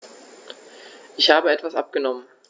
Ich habe etwas abgenommen.